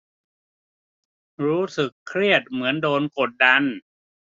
รู้สึกเครียดเหมือนโดนกดดัน